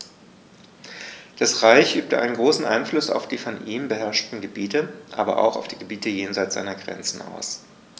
Das Reich übte einen großen Einfluss auf die von ihm beherrschten Gebiete, aber auch auf die Gebiete jenseits seiner Grenzen aus.